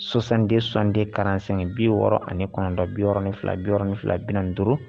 Sosanden sonsanden kalanransɛ bi wɔɔrɔ ani kɔnɔntɔn biɔrɔnin filain fila4 duuru